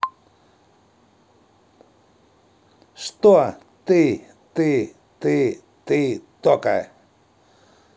что ты ты ты ты тока